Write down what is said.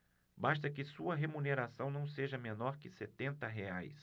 basta que sua remuneração não seja menor que setenta reais